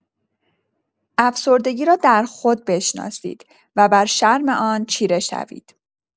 افسردگی را در خود بشناسید، و بر شرم آن چیره شوید.